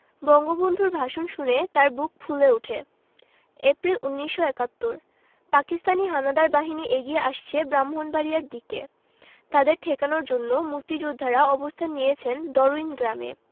বঙ্গবন্ধুর ভাষণ শুনে তাঁর বুক ফুলে ওঠে এপ্রিল ১৯৭১ পাকিস্তানি হানাদার বাহিনী এগিয়ে আসছে ব্রাহ্মনবাড়িয়ার দিকে তাদের ঠেকানোর জন্য মুক্তিযোদ্ধারা অবস্থান নিয়েছেন দরুইন গ্রামে